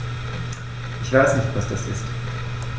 Ich weiß nicht, was das ist.